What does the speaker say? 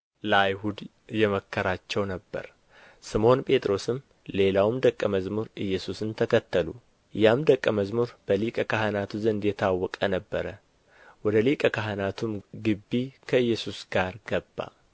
ለአይሁድ የመከራቸው ነበረ ስምዖን ጴጥሮስም ሌላውም ደቀ መዝሙር ኢየሱስን ተከተሉ ያም ደቀ መዝሙር በሊቀ ካህናቱ ዘንድ የታወቀ ነበረ ወደ ሊቀ ካህናቱም ግቢ ከኢየሱስ ጋር ገባ